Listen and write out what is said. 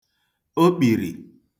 okpìrì